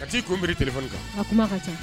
Ka t'i kunmbiri tilefɔni kan o kuma kaca.